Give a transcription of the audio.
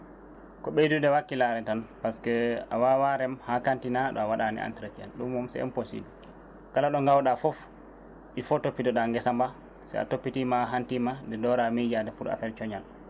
ko ɓeydude wakkilare tan par ce que a wawa reem haa kantina taw a waɗani entretien ɗum moom c' est impossible kala ɗo gawɗa foof il faut toppitoɗa geesa ba sa toppitima a hantima nde doora miijade pour affaire cooñal